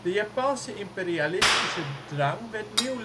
Japanse imperialistische drang werd nieuw